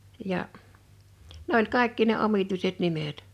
ja ne oli kaikki ne omituiset nimet